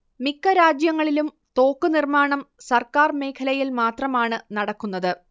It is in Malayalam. മിക്ക രാജ്യങ്ങളിലും തോക്കുനിർമ്മാണം സർക്കാർ മേഖലയിൽ മാത്രമാണ് നടക്കുന്നത്